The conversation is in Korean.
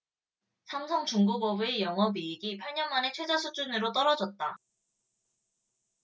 삼성중공업의 영업이익이 팔 년 만에 최저수준으로 떨어졌다